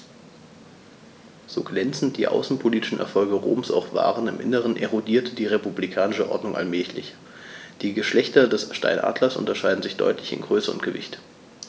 So glänzend die außenpolitischen Erfolge Roms auch waren: Im Inneren erodierte die republikanische Ordnung allmählich. Die Geschlechter des Steinadlers unterscheiden sich deutlich in Größe und Gewicht.